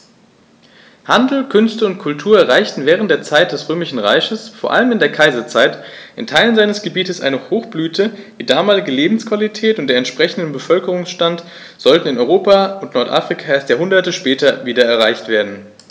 Handel, Künste und Kultur erreichten während der Zeit des Römischen Reiches, vor allem in der Kaiserzeit, in Teilen seines Gebietes eine Hochblüte, die damalige Lebensqualität und der entsprechende Bevölkerungsstand sollten in Europa und Nordafrika erst Jahrhunderte später wieder erreicht werden.